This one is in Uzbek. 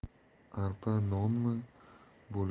arpa nonmi bo'lgan